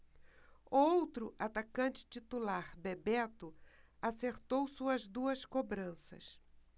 o outro atacante titular bebeto acertou suas duas cobranças